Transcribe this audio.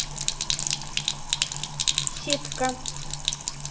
щепка